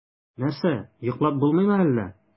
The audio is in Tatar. Нәрсә, йоклап булмыймы әллә?